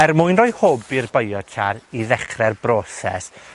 Er mwyn roi hwb i'r biochar i ddechre'r broses,